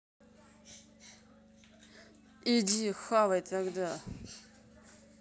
иди хавай тогда